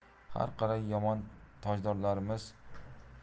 har qalay yomon tojdorlarning